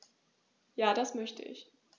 Ja, das möchte ich.